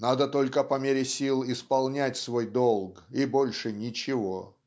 Надо только, по мере сил, исполнять свой дол!. и больше ничего".